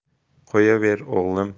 qo'yaver o'g'lim